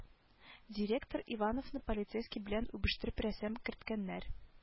Директор ивановны полицейский белән үбештереп рәсем керткәннәр